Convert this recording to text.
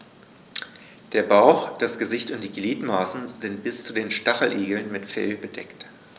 Der Bauch, das Gesicht und die Gliedmaßen sind bei den Stacheligeln mit Fell bedeckt.